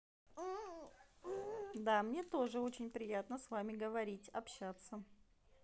да мне тоже очень приятно с вами говорить общаться